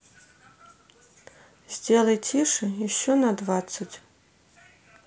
сделай тише еще на двадцать